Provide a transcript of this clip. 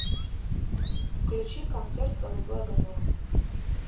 включи концерт голубой огонек